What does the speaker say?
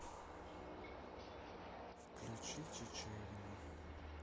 включи чичерину